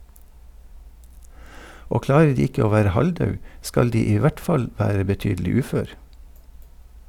Og klarer de ikke å være halvdau, skal de i hvert fall være betydelig ufør.